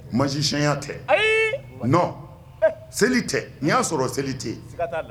Masisiya tɛ nɔn seli tɛ n'i y'a sɔrɔ seli tɛ